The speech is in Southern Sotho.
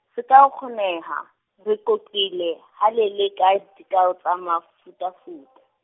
sekaokgoneho, re qoqile, halele ka dikao tsa mefutafuta.